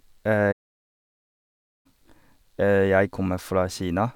Jeg kommer fra Kina.